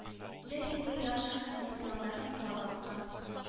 Ләкин бу ерак шәһәрнең урамнарын кар баскан